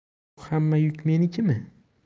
bu hamma yuk meniki